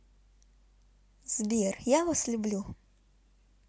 сбер я вас люблю